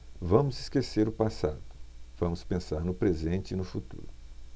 vamos esquecer o passado vamos pensar no presente e no futuro